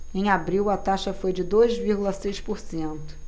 em abril a taxa foi de dois vírgula seis por cento